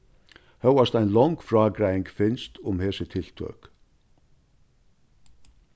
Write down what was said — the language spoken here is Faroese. hóast ein long frágreiðing finst um hesi tiltøk